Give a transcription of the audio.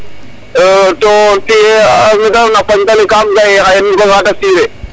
To tiye me ta refna nu mbuganga ta siire.